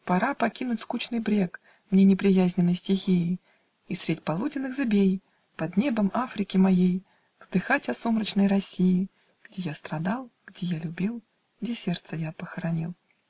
Пора покинуть скучный брег Мне неприязненной стихии И средь полуденных зыбей, Под небом Африки моей , Вздыхать о сумрачной России, Где я страдал, где я любил, Где сердце я похоронил.